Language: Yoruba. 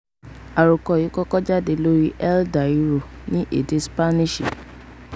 Àròkọ yìí kọ́kọ́ jáde lórí El Diario, ní èdè Spanish.